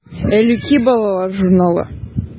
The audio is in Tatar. “әллүки” балалар журналы.